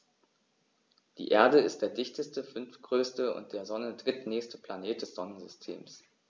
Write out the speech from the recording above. Die Erde ist der dichteste, fünftgrößte und der Sonne drittnächste Planet des Sonnensystems.